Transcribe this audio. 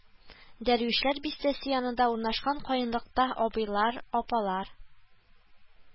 Дәрвишләр бистәсе янында урнашкан каенлыкта Абыйлар, апалар